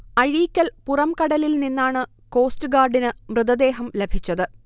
അഴീക്കൽ പുറംകടലിൽ നിന്നാണ് കോസ്റ്റ്ഗാർഡിന് മൃതദേഹം ലഭിച്ചത്